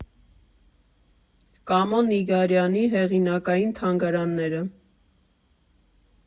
Կամո Նիգարյանի հեղինակային թանգարանները։